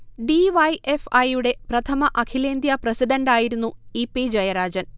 D. Y. F. I. യുടെ പ്രഥമ അഖിലേന്ത്യാ പ്രസിഡണ്ട് ആയിരുന്നു ഇ. പി. ജയരാജൻ